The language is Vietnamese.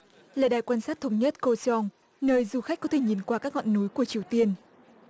là đài quan sát thống nhất cô soong nơi du khách có thể nhìn qua các ngọn núi của triều tiên